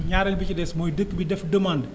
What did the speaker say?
ñaareel bi ci des mooy dëkk bi def demande